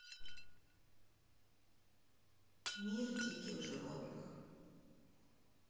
мир диких животных